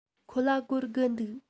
ཁོ ལ སྒོར དགུ འདུག